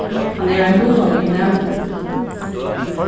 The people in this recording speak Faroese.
hann er ein dugnaligur næmingur